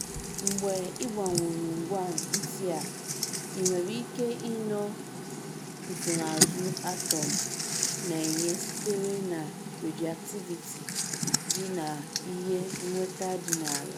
Mgbe ịgbanwuru ngwa nti a, i nwere ike ịnụ nsonazụ atọm na-enye sitere na redioaktiviti dị na ihe nnweta dị n’ala.”